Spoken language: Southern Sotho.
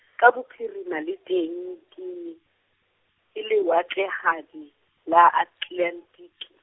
ka bophirima le teng ke, ke lewatlehadi la Atlelantiki.